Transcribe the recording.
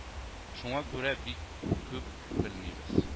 Шуңа күрә бик күп белмибез